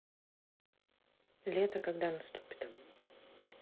лето когда наступит